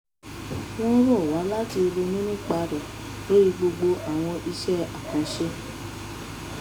"Wọ́n rọ̀ wá láti ronú nípa rẹ̀ lórí gbogbo àwọn iṣẹ́ àkànṣe.